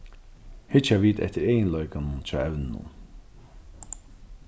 hyggja vit eftir eginleikunum hjá evninum